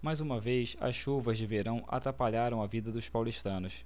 mais uma vez as chuvas de verão atrapalharam a vida dos paulistanos